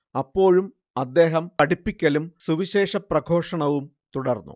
അപ്പോഴും അദ്ദേഹം പഠിപ്പിക്കലും സുവിശേഷ പ്രഘോഷണവും തുടർന്നു